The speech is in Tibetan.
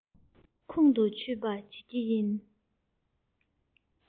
ཁོང དུ ཆུད པ བྱེད ཀྱི ཡོད